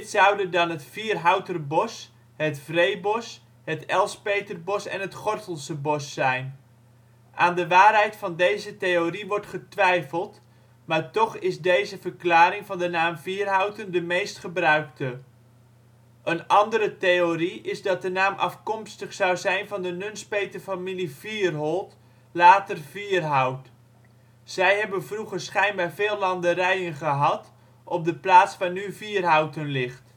zouden dan het Vierhouterbos, het Vreebos, het Elspeterbos en het Gortelsebos zijn. Aan de waarheid van deze theorie wordt getwijfeld, maar toch is deze verklaring van de naam Vierhouten de meest gebruikte. Een andere theorie is dat de naam afkomstig zou zijn van de Nunspeter familie Vierholt (later Vierhout). Zij hebben vroeger schijnbaar veel landerijen gehad op de plaats waar nu Vierhouten ligt